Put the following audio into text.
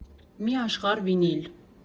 Մի աշխարհ վինիլ։